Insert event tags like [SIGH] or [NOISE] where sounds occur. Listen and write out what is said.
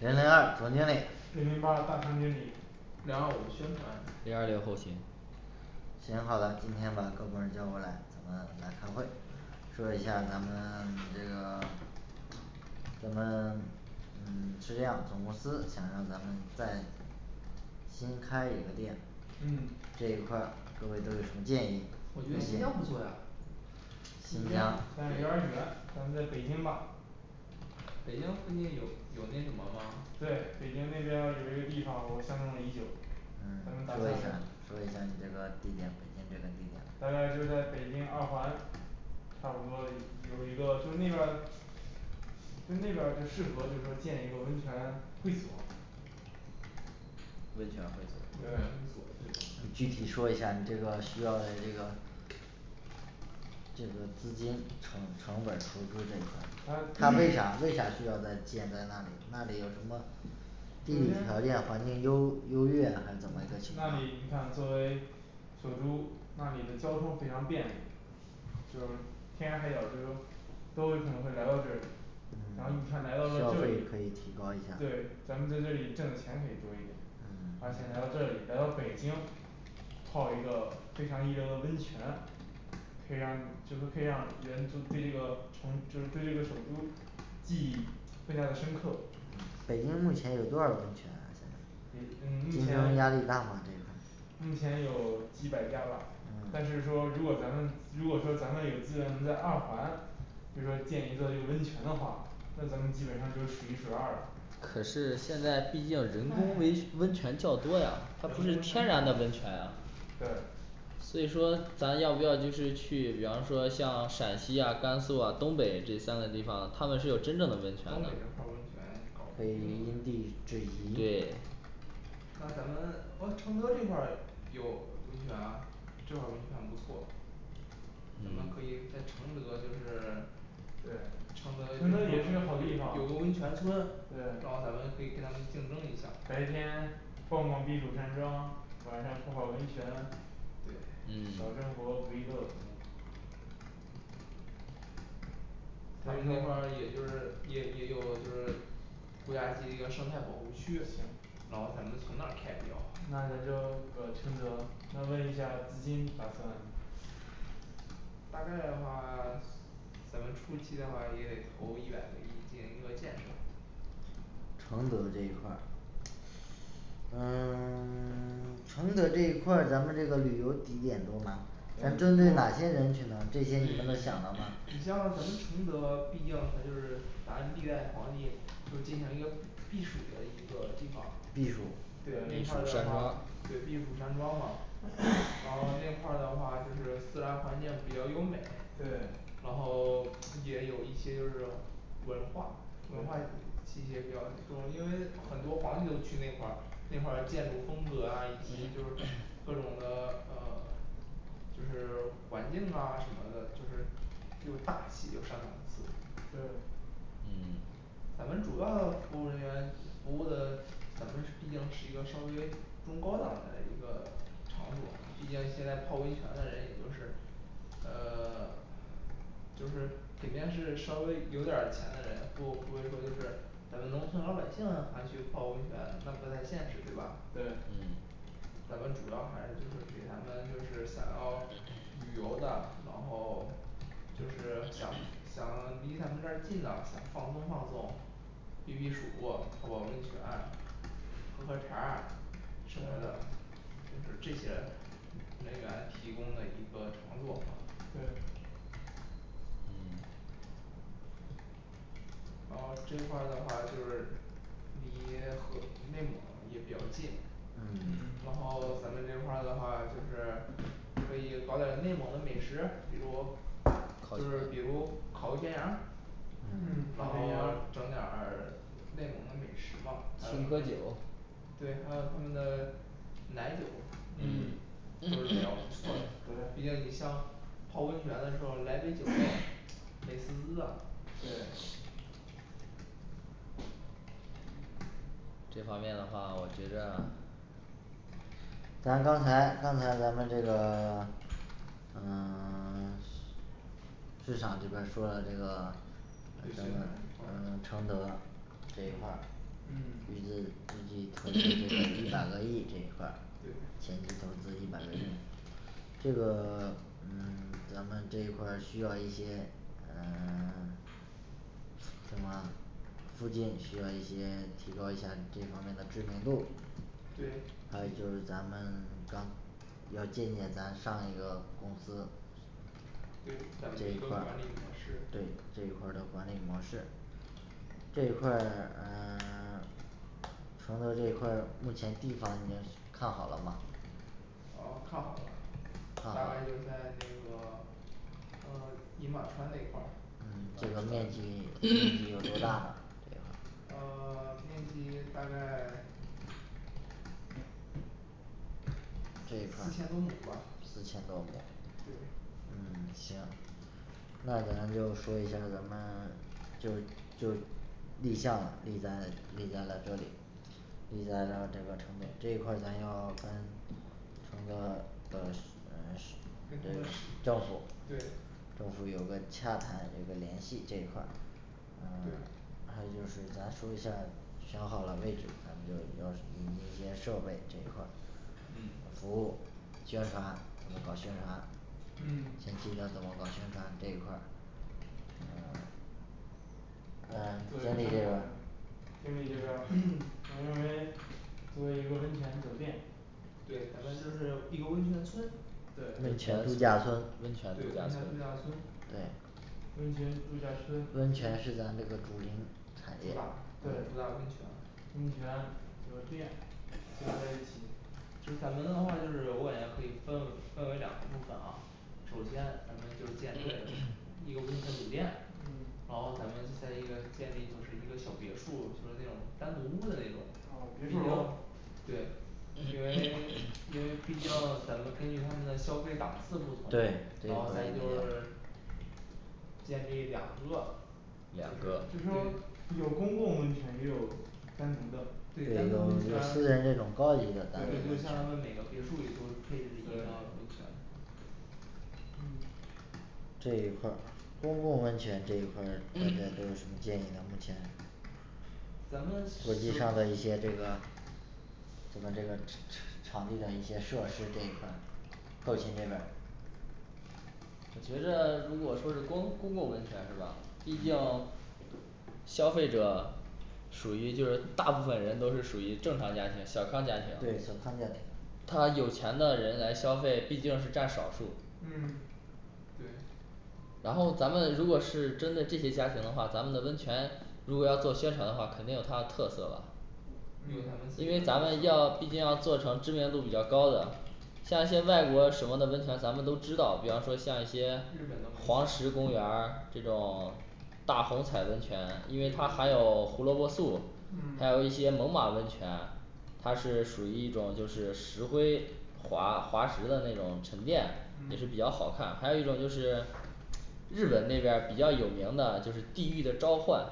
零零二总经理零零八大堂经理零幺五宣传零二六后勤行好的今天把各部门儿叫过来咱们来开会说一下咱们你这个 [SILENCE] 咱们嗯是这样总公司想让咱们在。新开一个店嗯这一块儿各位都有什么建议我觉得新疆新不错呀新新疆疆，但是对有点儿远咱们在北京吧北京附近有有那什么吗对北京那边儿有一个地方我相中了已久，嗯咱们打说一下算说一下儿你这个地点北京这个地点大概就是在北京二环差不多有一个 [SILENCE] 就那边儿就那边儿就适合就说建一个温泉会所温泉会温所泉对会所对吗具体嗯说一下儿你这个需要嘞这个这个资金成成本儿投资这一块儿它它为啥为啥需要在建在那里那里有什么地理条条件件环境优优越啊嗯还是怎么个情那况里你看作为首都那里的交通非常便利，就是天涯海角就是说都有可能会来到这里，然后嗯你看来到，消了这费里可以提高一下儿对咱们在这里挣的钱可以多一点而且嗯来到这里来到北京，泡一个非常一流的温泉可以让就说可以让人就对这个城就是对这个首都记忆更加的深刻北京目前有多少温泉啊现在也嗯目竞争前压力大吗这个目前有几百家吧但嗯是说如果咱们如果说咱们有资源能在二环就说建一座这个温泉的话那咱们基本上就是数一数二啦可是现在毕竟人工温太温泉较多呀人它不工是天然的温温泉泉啊对所以说咱要不要就是去比方说像陕西啊甘肃啊东北这三个地方它们是有真正的东北这块儿温温泉泉搞不得因定地制宜对那咱们哦承德这块儿有温泉啊，这块儿温泉不错，咱们可嗯以在承德就是对承承德也德是个好地方有有个温泉村对然后咱们可以跟他们竞争一下白天逛逛避暑山庄晚上泡泡温泉对小嗯生活不亦乐乎他所们那块儿以说也就是也也有就是国家级那个生态保护区行然后咱们从那开比较好那咱就搁承德那问一下资金打算大概的话咱们初期的话也得投个一百个亿进行一个建设承德的这一块儿嗯 [SILENCE] 承德这一块儿咱们这个旅游地点多吗咱，咱多针对哪些人群呢这些你们都想了吗你像咱们承德毕竟它就是咱历代皇帝就进行一个避避暑的一个地方避暑这块对避暑儿山的庄儿话对避暑山庄嘛然后那块儿的话就是自然环境比较优美对然后也有一些就是文化文化对气息也比较重因为很多皇帝都去那块儿那块儿建筑风格啊以及就各种的呃 [SILENCE] 就是环境啊什么的就是又大气又上档次对嗯咱们主要服务人员服务的咱们是毕竟是一个稍微中高档的一个场所吧毕竟现在泡温泉的人也都是呃就是肯定是稍微有点儿钱的人不不会说就是咱们农村老百姓还去泡温泉那不太现实对吧对嗯咱们主要还是就是给咱们就是想要旅游的然后就是想想离咱们这儿近的想放松放松避避暑泡泡温泉喝喝茶儿我觉得就是这些人员提供的一个场所吧对嗯哦这块儿的话就是离和内蒙也比较近嗯嗯然后咱们这块儿的话就是可以搞点儿内蒙的美食比如烤全就是比羊如烤个全羊儿嗯嗯，然烤后全羊整点儿 [SILENCE] 内蒙的美食嘛还有青他稞酒对还有他们的奶酒嗯嗯都是比较不错的，毕对竟你像嗯泡温泉的时候儿来杯酒美滋滋啊对这方面的话我觉着咱刚才刚才咱们这个 [SILENCE] 呃 [SILENCE] 市场这边儿说了那个对，宣咱传一们块，嗯儿 [SILENCE] 承德这一块儿嗯嗯预支预计投资这个一百个亿这一块儿对前期投资一百个亿这个 [SILENCE] 嗯 [SILENCE] 咱们这一块儿需要一些，呃 [SILENCE] 嗯什么啊附近也需要一些提高一下你这方面的知名度对还有，提就是咱们刚要借鉴咱上一个公司对咱这们一一个块管儿理模式，对，这一块儿的管理模式这一块儿呃 [SILENCE] 承德这一块儿目前地方儿已经选 [UNINTELLIGIBLE] 看好了吗呃看好看啦大好概就是在那个呃饮马川那块儿 [CROSSTALK] 嗯这个面积面积有多大呢这块儿呃面积大概这一块四千多儿亩吧四千多亩对嗯行那咱们就说一下儿咱们就就立项啦立在立在了这里立在了这个承德这一块儿咱要跟承德呃是嗯是跟他这们个是政府是对政府有个洽谈有个联系这一块儿嗯对 [SILENCE] 还有就是咱说一下儿选好了位置咱们就也要引进一些设备这一块儿嗯服务宣传怎么搞宣传嗯前期咱怎么搞宣传这一块儿，嗯嗯就是经理这边它儿经理这边儿 [HESITATION] 我认为做为一个温泉酒店对咱们就是一个温泉村对温温泉泉度假村对，温温泉泉度度假假村村对温泉度假村温泉是咱就是这个主营产业主打主对打温泉温泉酒店结合在一起就是咱们的话就是我感觉可以分为 [UNINTELLIGIBLE] 分为两个部分啊首先咱们就建立在一个温泉酒店嗯然后咱们在一个建立就是一个小别墅就是那种单独屋儿的那种哦，别墅楼对因为因为毕竟咱们根据他们的消费档次不同对，这然样后咱来区就是分建立两两个个就是就说对有公共温泉也有单独的对对，有单独温有私泉人这种高级的单人对，温就泉像他们每个别墅里就会配置一个温泉嗯这一块儿公共温泉这一块儿大家都有什么建议呢目前咱们左溢下载一整些这个这个这个场场场地的一些设施这一块儿后勤这边儿我觉得如果说是公公共温泉是吧毕竟，消费者，属于就是大部分人都是属于正常家庭小康家庭对小康家庭他有钱的人来消费毕竟是占少数儿嗯对然后咱们如果是针对这些家庭的话咱们的温泉如果要做宣传的话肯定有它的特色吧有咱们嗯自因己为的特咱们色要毕竟要做成知名度比较高的，像一些外国使用的温泉咱们都知道比方说像一些日本的黄温石泉公园儿这种大红彩温泉对对因为它含对胡萝卜素还嗯有一些猛犸温泉 [SILENCE] 它是属于一种就是石灰滑滑石的那种沉淀也是比嗯较好看还有一种就是日本那边儿比较有名的就是地狱的召唤